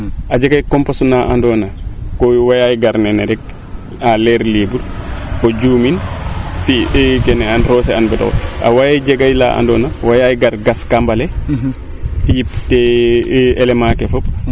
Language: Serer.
a jega compos naa ando na ko waye gar nene rek en l' aire libre o juumin fii kene roose an bata away jegaa laa ando na waya gas kambale yip element ke fop